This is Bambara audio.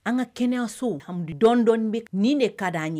An ka kɛnɛyaso dɔndɔ bɛ nin de ka d di'an ɲɛ